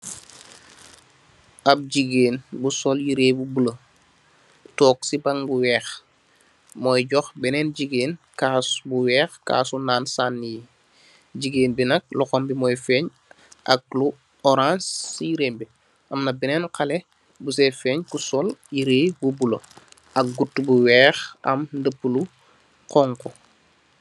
Ap jigeen bu sol yirèh bu bula tóóg si bang bu wèèx moy jox benen jigeen kas bu wèèx kassi nan sanni yi. Jigeen bi nak loxom bi moy feeñ ak lu orans si yirèh em bi, am na benen xalèh bu sèè feñ ku sol yirèh bu bula ak gutuh bu wèèx am ndapulu xonxu.